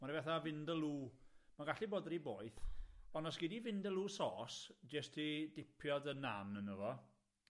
Ma' 'run fatha Vindaloo, ma'n gallu bod ry boeth, ond os gei di Vindaloo Sauce jyst i dipio dy naan yno fo.